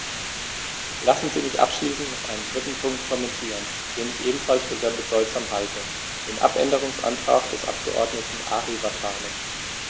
Lassen Sie mich abschließend noch einen dritten Punkt kommentieren, den ich ebenfalls für sehr bedeutsam halte: den Abänderungsantrag des Abgeordneten Ari Vatanen.